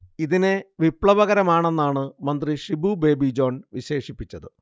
ഇതിനെ വിപ്ലവകരമാണെന്നാണ് മന്ത്രി ഷിബു ബേബി ജോൺ വിശേഷിപ്പിച്ചത്